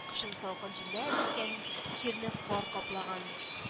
Кышын салкын җилләр искән, җирне кар каплаган